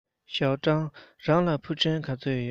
ཞའོ ཀྲང རང ལ ཕུ འདྲེན ག ཚོད ཡོད